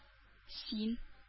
Син